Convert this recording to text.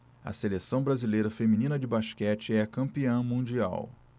a seleção brasileira feminina de basquete é campeã mundial